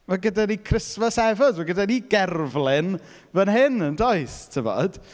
Ma' gyda ni Christmas Evans, ma' gyda ni gerflun fan hyn, yn does, timod.